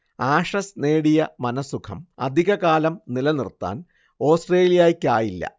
Ashes നേടിയ മനഃസുഖം അധിക കാലം നിലനിർത്താൻ ഓസ്ട്രേലിയയ്ക്കായില്ല